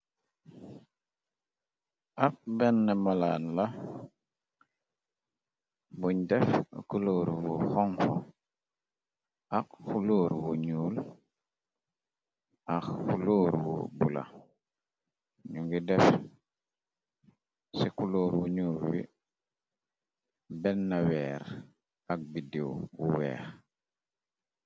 Ak benn malaan la buñ def culoor wu xonxo ak xulóor wu ñuul ax xulóorwu bu la ñu ngi def ci kulóor wu ñuul wi benna weer ak biddiw wu weex.